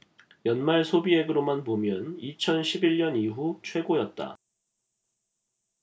연말 소비액으로만 보면 이천 십 일 년 이후 최고였다